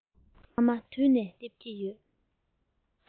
རྔ མ དུད ནས སླེབས ཀྱི ཡོད